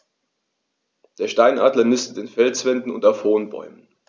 Der Steinadler nistet in Felswänden und auf hohen Bäumen.